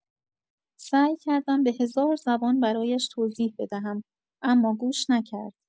سعی کردم به هزار زبان برایش توضیح بدهم، اما گوش نکرد.